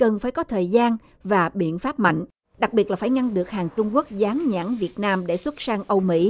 cần phải có thời gian và biện pháp mạnh đặc biệt là phải ngăn được hàng trung quốc dán nhãn việt nam để xuất sang âu mỹ